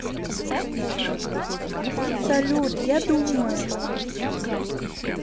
салют я думаю